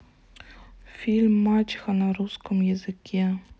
фильм мачеха на русском языке